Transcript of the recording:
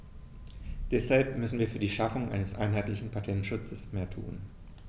Deshalb müssen wir für die Schaffung eines einheitlichen Patentschutzes mehr tun.